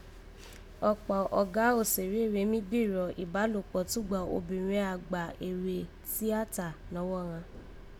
Ọ̀kpọ́ Ọ̀gá òsèré rèé mí bíìrọ̀ ìbálòkpọ̀ túgbà obìnrẹn ra gbà eré tíátà nọwọ́ ghan